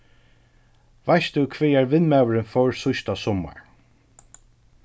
veitst tú hvagar vinmaðurin fór síðsta summar